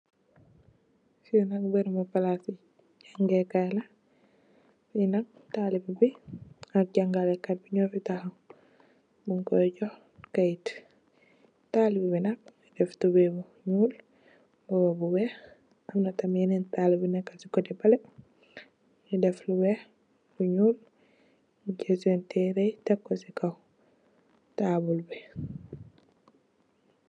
Fii nak barabu palasu jangekaay la, fi nak talibe bi ak jangelekat bi nyu fi tahaw, munko jox kayit, talibe bi nak mingi sol tubey bu nyuul, mbuba bu weex am na tamin yaneen talibe yu si kote balee, yu def lu weex, lu nyuul, nyu jal sen teere yi teg ko si kaw taabul bi.